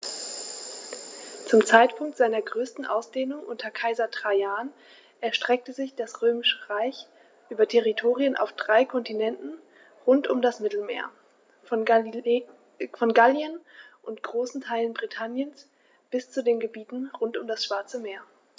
Zum Zeitpunkt seiner größten Ausdehnung unter Kaiser Trajan erstreckte sich das Römische Reich über Territorien auf drei Kontinenten rund um das Mittelmeer: Von Gallien und großen Teilen Britanniens bis zu den Gebieten rund um das Schwarze Meer.